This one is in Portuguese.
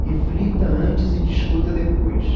reflita antes e discuta depois